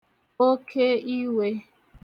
okeiwē